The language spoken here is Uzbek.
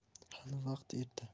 hali vaqt erta